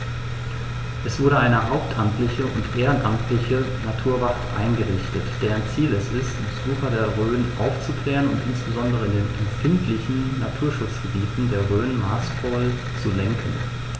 Es wurde eine hauptamtliche und ehrenamtliche Naturwacht eingerichtet, deren Ziel es ist, Besucher der Rhön aufzuklären und insbesondere in den empfindlichen Naturschutzgebieten der Rhön maßvoll zu lenken.